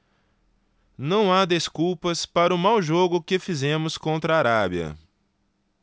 não há desculpas para o mau jogo que fizemos contra a arábia